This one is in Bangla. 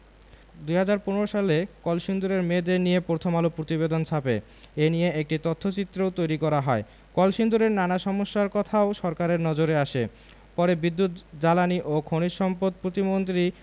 ২০১৫ সালে কলসিন্দুরের মেয়েদের নিয়ে প্রথম আলো প্রতিবেদন ছাপে এ নিয়ে একটি তথ্যচিত্রও তৈরি করা হয় কলসিন্দুরের নানা সমস্যার কথাও সরকারের নজরে আসে পরে বিদ্যুৎ জ্বালানি ও খনিজ সম্পদ প্রতিমন্ত্রী